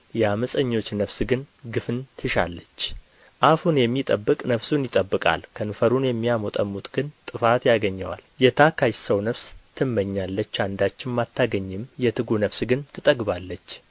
የዓመፀኞች ነፍስ ግን ግፍን ትሻለች አፉን የሚጠብቅ ነፍሱን ይጠብቃል ከንፈሩን የሚያሞጠሙጥ ግን ጥፋትን ያገኘዋል የታካች ሰው ነፍስ ትመኛለች አንዳችም አታገኝም የትጉ ነፍስ ግን ትጠግባለች